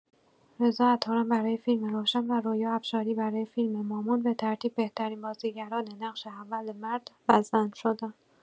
رضا عطاران برای فیلم روشن، و رویا افشاری برای فیلم مامان، به ترتیب بهترین بازیگران نقش اول مرد و زن شدند.